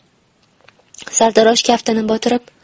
sartarosh kaftini botirib